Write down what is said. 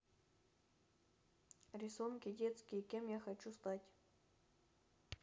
рисунки детские кем я хочу стать